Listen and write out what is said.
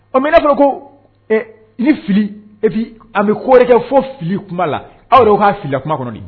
Ɔ min fɔ ko ni fili epi an bɛ koɔri kɛ fo fili kuma la aw yɛrɛ k'a filila kuma kɔnɔ